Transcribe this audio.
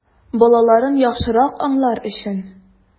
Балаларын яхшырак аңлар өчен!